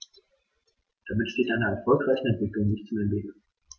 Damit steht einer erfolgreichen Entwicklung nichts mehr im Wege.